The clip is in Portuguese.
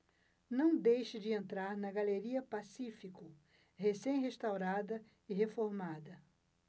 não deixe de entrar na galeria pacífico recém restaurada e reformada